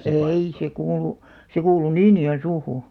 ei se kuulunut se kuului Niinijoensuuhun